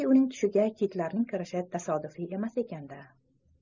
uning tushiga kitlarning kirishi tasodifiy emas ekan da